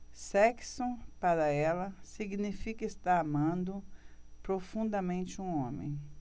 sexo para ela significa estar amando profundamente um homem